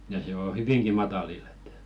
ja se on hyvinkin matalilla että